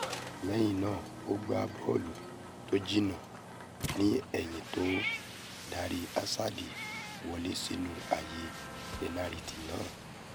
Lẹ́yìn náà ó gbá bọ́ọ̀lù tó jiná ní èyí tó darí Hazard wọlé sínú àyè pẹnáritì náà.